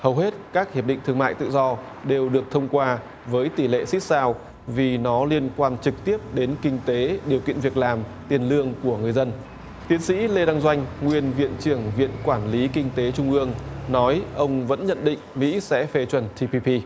hầu hết các hiệp định thương mại tự do đều được thông qua với tỷ lệ sít sao vì nó liên quan trực tiếp đến kinh tế điều kiện việc làm tiền lương của người dân tiến sĩ lê đăng doanh nguyên viện trưởng viện quản lý kinh tế trung ương nói ông vẫn nhận định mỹ sẽ phê chuẩn ti pi pi